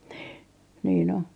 niin niin on